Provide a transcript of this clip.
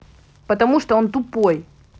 потому что он тупой